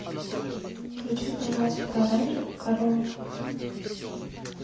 включи пожалуйста оранжевую корову